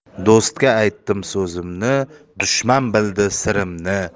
do'stga aytdim so'zimni dushman bildi sirimni